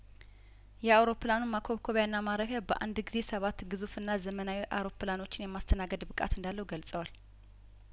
የአውሮፕላኑ ማኮብኮቢያና ማረፊያ በአንድ ጊዜ ሰባት ግዙፍና ዘመናዊ አውሮፕላኖችን የማስተናገድ ብቃት እንዳለው ገልጸዋል